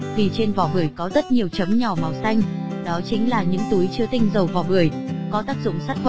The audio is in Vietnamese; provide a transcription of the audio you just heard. vì trên vỏ bưởi có rất nhiều chấm nhỏ màu xanh trên bề mặt đó chính là những túi chứa tinh dầu vỏ bưởi có tác dụng sát khuẩn